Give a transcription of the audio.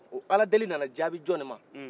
ala deli nana jaabi jon de ma